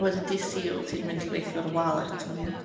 Wedyn, dydd Sul, ti'n mynd i weithio ar y wal eto, ie?